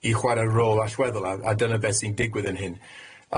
i chwara rôl allweddol a- a dyna be' sy'n digwydd fan hyn.